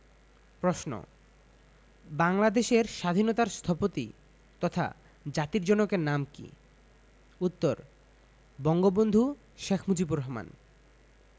প্রশ্ন বাংলাদেশের স্বাধীনতার স্থপতি তথা জাতির জনকের নাম কী উত্তর বঙ্গবন্ধু শেখ মুজিবুর রহমান